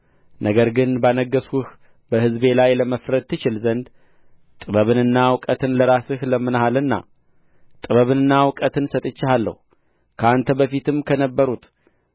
ነገር ግን ባነገሥሁህ በሕዝቤ ላይ ለመፍረድ ትችል ዘንድ ጥበብንና እውቀትን ለራስህ ለምነሃልና ጥበብንና እውቀትን ሰጥቼሃለሁ ከአንተ በፊትም ከነበሩት